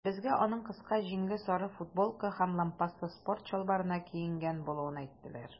Безгә аның кыска җиңле сары футболка һәм лампаслы спорт чалбарына киенгән булуын әйттеләр.